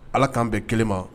Ala k'an bɛɛ kelen ma